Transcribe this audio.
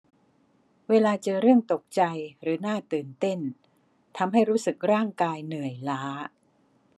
เวลาเจอเรื่องตกใจหรือน่าตื่นเต้นทำให้รู้สึกร่างกายเหนื่อยล้า